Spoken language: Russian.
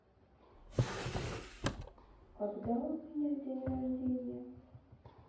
когда у меня день рождения